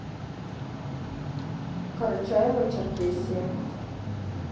карачаево черкесия